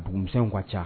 Dugumisɛnw ka ca